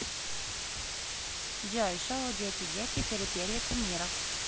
джой шоу дети дети перепели кумиров